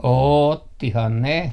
ottihan ne